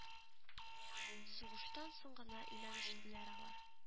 Сугыштан соң гына өйләнештеләр алар